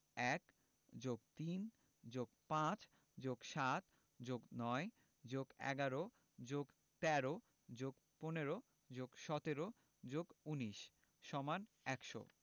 ১+৩+৫+৭+৯+১১+১৩+১৫+১৭+১৯=১০০